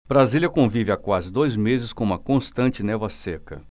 brasília convive há quase dois meses com uma constante névoa seca